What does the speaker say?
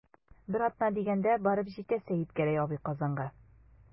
Бер атна дигәндә барып җитә Сәетгәрәй абый Казанга.